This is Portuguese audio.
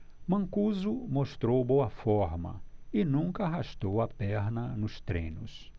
mancuso mostrou boa forma e nunca arrastou a perna nos treinos